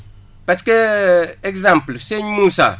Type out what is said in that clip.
parce que exemple sëñ Moussa